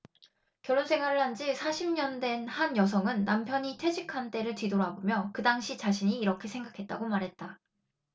결혼 생활을 한 지 사십 년 된 한 여성은 남편이 퇴직한 때를 뒤돌아보며 그 당시 자신이 이렇게 생각했다고 말했다